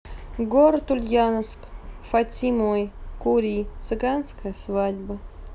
город ульяновск фатимой кури цыганская свадьба